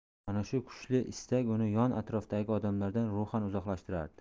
mana shu kuchli istak uni yon atrofidagi odamlardan ruhan uzoqlashtirardi